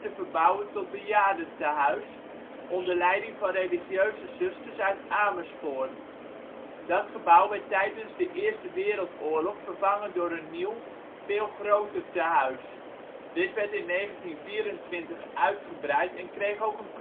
verbouwen tot bejaardentehuis, onder leiding van religieuze zusters uit Amersfoort. Dat gebouw werd tijdens de Eerste Wereldoorlog vervangen door een nieuw, veel groter tehuis. Dit werd in 1924 uitgebreid en kreeg ook een kleuterschool